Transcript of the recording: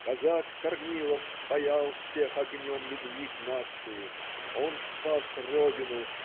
Казак Корнилов спаял всех огнем любви к нации! Он спас родину!